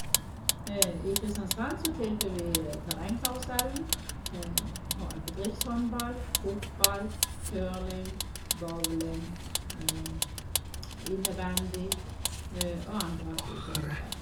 I Kristiansand, så tilbyr vi Terrengkarusellen, f hå bedriftshåndball, fotball, curling, bowling, innebandy, og andre aktiviteter.